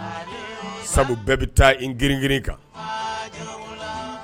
Sabu bɛɛ bɛ taa i gring kan